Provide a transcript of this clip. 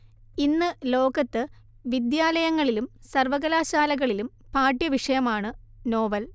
ഇന്ന് ലോകത്ത് വിദ്യാലയങ്ങളിലും സർവ്വകലാശാലകളിലും പാഠ്യവിഷയമാണ് നോവൽ